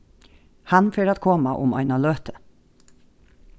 hann fer at koma um eina løtu